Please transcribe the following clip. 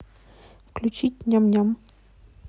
включить ням ням